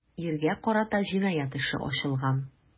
Иргә карата җинаять эше ачылган.